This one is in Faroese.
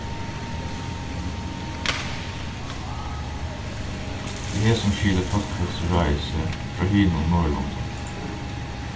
við hesum skilur fólkaheilsuráðið seg frá hinum norðurlondum